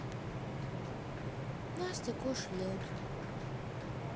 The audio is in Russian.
настя кош лед